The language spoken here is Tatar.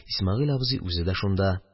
Исмәгыйль абзый үзе дә шунда.